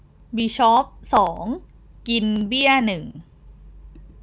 บิชอปสองกินเบี้ยหนึ่ง